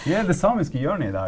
vi er i det samiske hjørnet i dag.